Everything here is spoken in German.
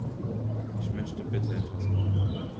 Ich möchte bitte etwas kochen.